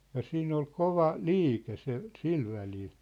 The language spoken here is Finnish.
ja siinä oli kova liike se sillä välillä